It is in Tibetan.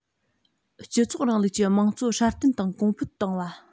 སྤྱི ཚོགས རིང ལུགས ཀྱི དམངས གཙོ སྲ བརྟན དང གོང འཕེལ བཏང བ